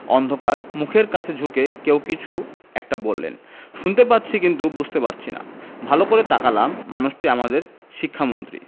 অন্ধকার মুখের কাছে ঝুঁকে কেউ কিছু একটা বলছেন শুনতে পাচ্ছি কিন্তু বুঝতে পারছি না ভালো করে তাকালাম মানুষটি আমাদের শিক্ষামন্ত্রী